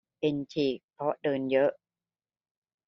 เอ็นฉีกเพราะเดินเยอะ